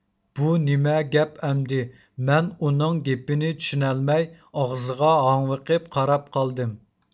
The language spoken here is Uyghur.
بۇ نېمە گەپ ئەمدى مەن ئۇنىڭ گېپىنى چۈشىنەلمەي ئاغزىغا ھاڭۋېقىپ قاراپ قالدىم